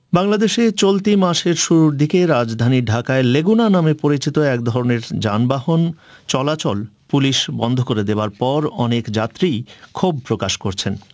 বাংলাদেশের চলতি মাসের শুরুর দিকে রাজধানী ঢাকায় লেগুনা নামের এক ধরনের পরিচিত পুলিশ বন্ধ করে দেবার পর অনেক যাত্রী ক্ষোভ প্রকাশ করছেন